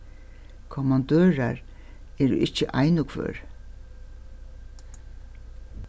kommandørar eru ikki ein og hvør